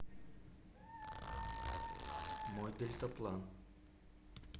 мой дельтаплан